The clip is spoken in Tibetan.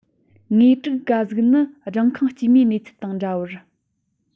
ངོས དྲུག ཀ གཟུགས ནི སྦྲང ཁང དཀྱུས མའི གནས ཚུལ དང འདྲ བར